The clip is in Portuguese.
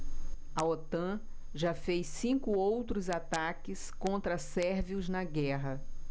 a otan já fez cinco outros ataques contra sérvios na guerra